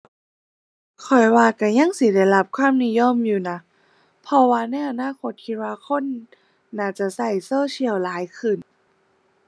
ข้อยว่าก็ยังสิได้รับความนิยมอยู่นะ เพราะว่าในอนาคตคิดว่าคนน่าจะก็โซเชียลหลายขึ้น